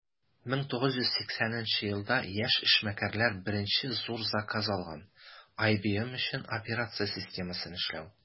1980 елда яшь эшмәкәрләр беренче зур заказ алган - ibm өчен операция системасын эшләү.